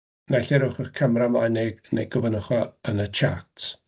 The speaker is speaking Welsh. Naill ai rowch eich camera ymlaen, neu neu gofynnwch o yn y chat.